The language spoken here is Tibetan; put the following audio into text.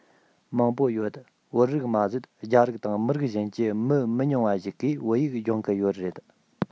མང པོ ཡོད བོད རིགས མ ཟད རྒྱ རིགས དང མི རིགས གཞན གྱི མི མི ཉུང བ ཞིག གིས བོད ཡིག སྦྱོང གི ཡོད རེད